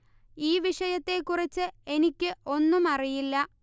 ഈ വിഷയത്തെക്കുറിച്ച് എനിക്ക് ഒന്നും അറിയില്ല